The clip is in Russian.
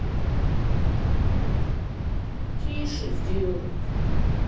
тише сделай